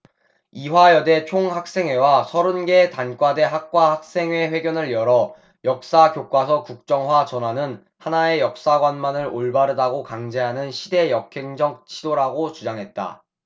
이화여대 총학생회와 서른 개 단과대 학과 학생회 회견을 열어 역사 교과서 국정화 전환은 하나의 역사관만을 올바르다고 강제하는 시대 역행적 시도라고 주장했다